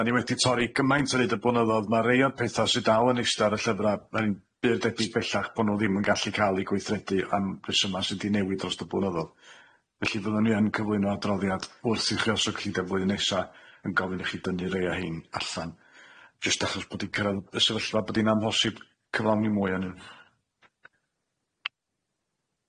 Dan ni wedi torri gymaint ar hyd y blynyddodd ma' rei o'r petha sy dal yn ista ar y llyfra ma' ni'n byr debyg bellach bo' nw ddim yn gallu ca'l i gweithredu am rhesyma sy di newid dros y blynyddodd felly fyddwn ni yn cyflwyno adroddiad wrth i chi os o'ch chi de' flwyddyn nesa yn gofyn i chi dynnu rei o rhein allan jyst achos bod i cyrradd y sefyllfa byddi'n amhosib cyflawni mwy arnyn.